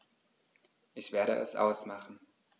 Ich werde es ausmachen